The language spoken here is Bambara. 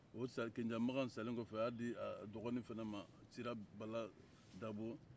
o kunjamagan salen kɔfɛ a y'a di a dɔgɔni fana ma sirabala dabo